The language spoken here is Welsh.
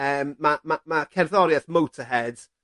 yym ma' ma' ma' cerddorieth Motorhead